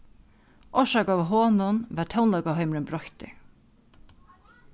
orsakað av honum varð tónleikaheimurin broyttur